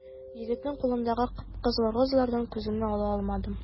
Егетнең кулындагы кып-кызыл розалардан күземне ала алмадым.